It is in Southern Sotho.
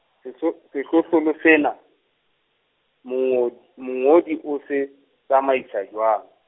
sehlo- sehlohlolo sena mongodi, mongodi o se tsamaisa jwang.